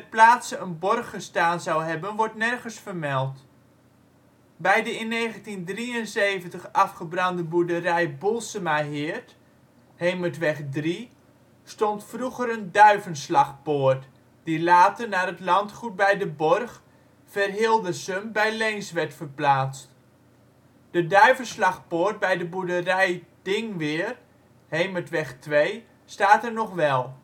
plaatse een borg gestaan zou hebben wordt nergens vermeld. Bij de in 1973 afgebrande boerderij Boelsemaheert (Hemertweg 3) stond vroeger een duivenslagpoort, die later naar het landgoed bij de borg Verhildersum bij Leens werd verplaatst. De duivenslagpoort bij de boerderij Dinghweer (Hemertweg 2) staat er nog wel